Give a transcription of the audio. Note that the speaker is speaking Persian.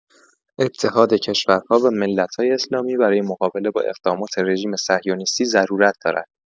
اتحاد کشورها و ملت‌های اسلامی برای مقابله با اقدامات رژیم صهیونیستی ضرورت دارد.